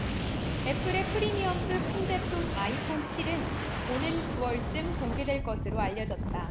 애플의 프리미엄급 신제품 아이폰 칠 은 오는 구 월쯤 공개될 것으로 알려졌다